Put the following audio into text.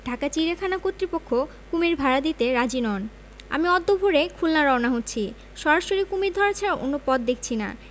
ঢাকা চিড়িয়াখানা কর্তৃপক্ষ কুমীর ভাড়া দিতে রাজী নন আমি অদ্য ভোরে খুলনা রওনা হচ্ছি সরাসরি কুমীর ধরা ছাড়া অন্য পথ দেখছি না